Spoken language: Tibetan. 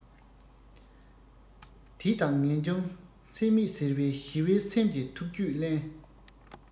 དད དང ངེས འབྱུང འཚེ མེད ཟིལ བས ཞི བའི སེམས ཀྱི ཐུགས རྒྱུད བརླན